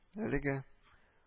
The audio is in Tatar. Әлегә